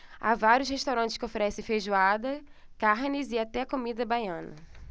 há vários restaurantes que oferecem feijoada carnes e até comida baiana